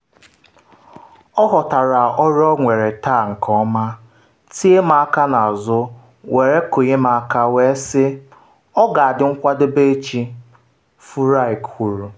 “Ọ họtara ọrụ ọ nwere taa nke ọma, tie m aka n’azụ were konye m aka wee sị, ọ ga-adị nkwadebe echi,” Furyk kwuru.